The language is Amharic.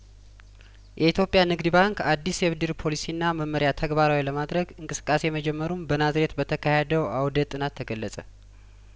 የኢትዮጵያ ንግድ ባንክ አዲስ የብድር ፖሊሲና መመሪያ ተግባራዊ ለማድረግ እንቅስቃሴ መጀመሩን በናዝሬት በተካሄደው አውደጥናት ተገለጸ